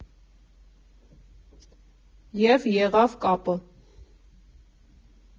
Եվ եղավ կապը.